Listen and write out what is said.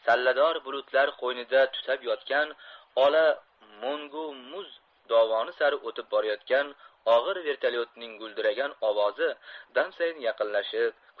sallador bulutlar qo'ynida tutab yotgan ola mo'ngu muz dovoni sari o'tib borayotgan og'ir vertolyotning guldiragan ovozi dam sayin yaqinlashib